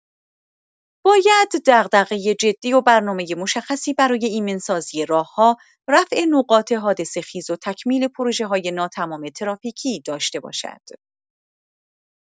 باید دغدغه جدی و برنامه مشخصی برای ایمن‌سازی راه‌ها، رفع نقاط حادثه‌خیز و تکمیل پروژه‌های ناتمام ترافیکی داشته باشد.